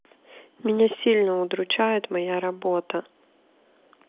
меня сильно удручает моя работа